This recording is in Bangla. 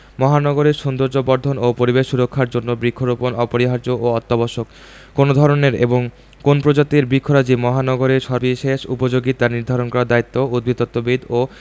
মহানগরীর সৌন্দর্যবর্ধন ও পরিবেশ সুরক্ষার জন্য বৃক্ষরোপণ অপরিহার্য ও অত্যাবশ্যক কেমন ধরনের এবং কোন্ প্রজাতির বৃক্ষরাজি মহানগরীর সবিশেষ উপযোগী তা নির্ধারণ করার দায়িত্ব উদ্ভিদতত্ত্ববিদ ও